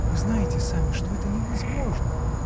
вы знаете сами, что это невозможно!